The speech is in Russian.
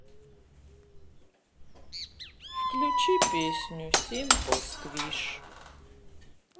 включи песню симпл сквиш